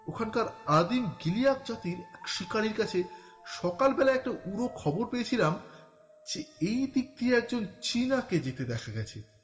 ওখানকার আদিম গিলিয়াক জাতির এক শিকারির কাছে সকালবেলা একটা উড়ো খবর পেয়েছিলাম যে এই দিক দিয়ে একজন চিনা কে যেতে দেখা গেছে